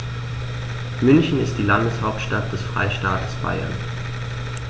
München ist die Landeshauptstadt des Freistaates Bayern.